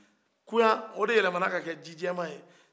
koya o de yɛlɛmana ka kɛ jijɛma ye